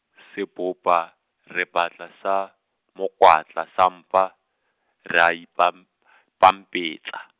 seboba, re batla sa, mokwatla sa mpa, re a i mpam- , mpampetsa.